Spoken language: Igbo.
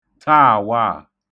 taàwaà